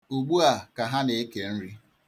Ugbua ka ha na-eke nri.